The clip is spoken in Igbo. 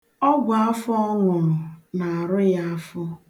Ọgwụafọ ọ ṅụrụ na-arụ ya afọ.